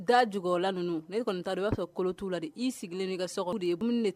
Da la ninnu kɔni ta i b'a la i sigilen ka